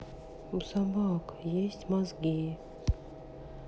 у собак есть мозги